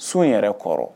So in yɛrɛ kɔrɔ